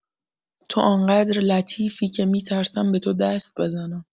تو آن‌قدر لطیفی که می‌ترسم به تو دست بزنم.